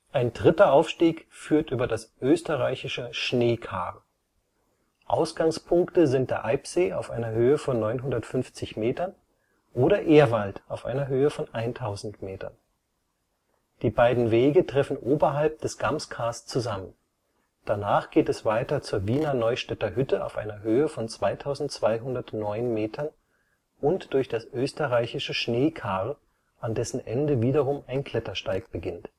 Ein dritter Aufstieg führt über das Österreichische Schneekar. Ausgangspunkte sind der Eibsee (950 m) oder Ehrwald (1000 m). Die beiden Wege treffen oberhalb des Gamskars zusammen. Danach geht es weiter zur Wiener-Neustädter-Hütte (2209 m) und durch das Österreichische Schneekar, an dessen Ende wiederum ein Klettersteig beginnt